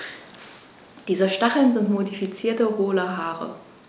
Diese Stacheln sind modifizierte, hohle Haare.